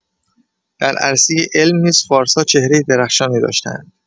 در عرصه علم نیز فارس‌ها چهره‌های درخشانی داشته‌اند.